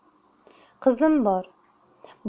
qizim bor